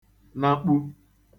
nakpu